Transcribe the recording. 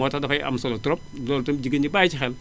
moo tax dafay am solo trop loolu tam jigéen ñi bàyyi ci xel